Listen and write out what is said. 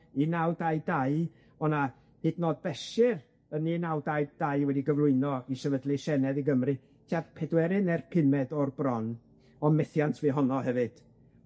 un naw dau dau, o' 'na hyd yn o'd fesur yn un naw dau dau wedi gyflwyno ac i sefydlu Senedd i Gymru, tua pedwerydd ne'r pumed o'r bron on' methiant fu honno hefyd.